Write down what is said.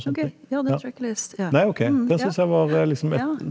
ok ja den tror jeg ikke jeg har lest ja ja ja ja ja.